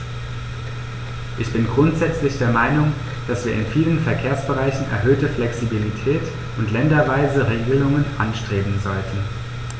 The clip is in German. Ich bin grundsätzlich der Meinung, dass wir in vielen Verkehrsbereichen erhöhte Flexibilität und länderweise Regelungen anstreben sollten.